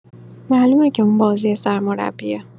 معلومه که اون بازی سرمربیه